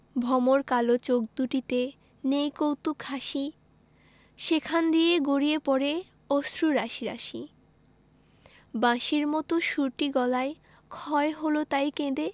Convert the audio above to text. ভমর কালো চোখ দুটিতে নেই কৌতুক হাসি সেখান দিয়ে গড়িয়ে পড়ে অশ্রু রাশি রাশি বাঁশির মতো সুরটি গলায় ক্ষয় হল তাই কেঁদে